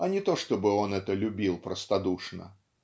а не то чтобы он это любил простодушно.